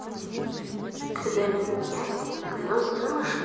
когда менять колеса на машине